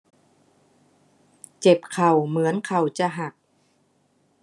เจ็บเข่าเหมือนเข่าจะหัก